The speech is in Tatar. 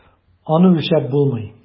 Аны үлчәп булмый.